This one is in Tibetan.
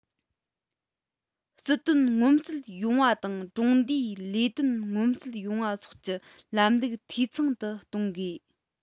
སྲིད དོན མངོན གསལ ཡོང བ དང གྲོང སྡེའི ལས དོན མངོན གསལ ཡོང བ སོགས ཀྱི ལམ ལུགས འཐུས ཚང དུ གཏོང དགོས